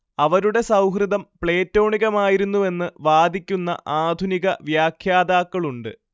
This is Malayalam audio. അവരുടെ സൗഹൃദം പ്ലേറ്റോണികമായിരുന്നുവെന്ന് വാദിക്കുന്ന ആധുനികവ്യാഖ്യാതാക്കളുണ്ട്